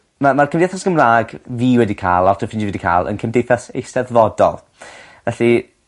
Na ma'r cymdeithas Gymra'g fi wedi ca'l lot o ffrindie wedi ca'l yn cymdeithas Eisteddfodol. Felly